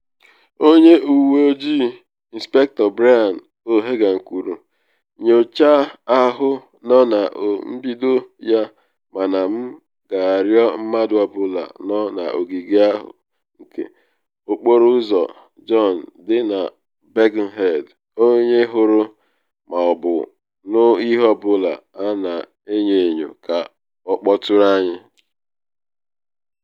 Onye Uwe Ojii Ịnspektọ Brian O'Hagan kwuru: ‘Nnyocha ahụ nọ na mbido ya mana m ga-arịọ mmadụ ọ bụla nọ n’ogige nke Okporo Ụzọ John dị na Birkenhead onye hụrụ ma ọ bụ nụ ihe ọ bụla a na enyo enyo ka ọ kpọtụrụ anyị.